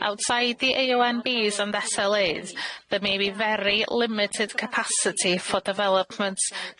Outside the AONBs and SLAs, there may be very limited capacity for development